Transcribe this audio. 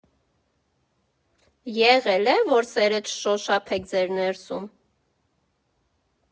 Եղե՞լ է, որ սերը չշոշափեք ձեր ներսում։